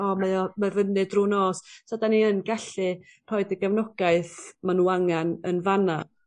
o mae o... Ma' fyny drw nos so 'dan ni yn gallu rhoid y gefnogaeth ma' n'w angan yn fan 'na.